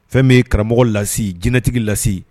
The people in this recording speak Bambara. Fɛn min ye karamɔgɔ lasi, jinɛtigi lasi!